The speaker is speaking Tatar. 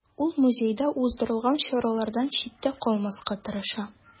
Ул музейда уздырылган чаралардан читтә калмаска тырыша.